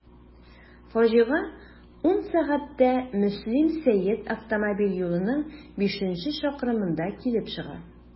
Фаҗига 10.00 сәгатьтә Мөслим–Сәет автомобиль юлының бишенче чакрымында килеп чыга.